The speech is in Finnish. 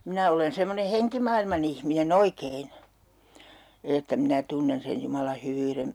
minä olen semmoinen henkimaailman ihminen oikein että minä tunnen sen Jumalan hyvyyden